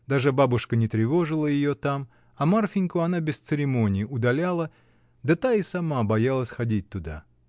Даже бабушка не тревожила ее там, а Марфиньку она без церемонии удаляла, да та и сама боялась ходить туда.